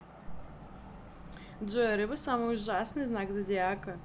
джой а рыба самый ужасный знак зодиака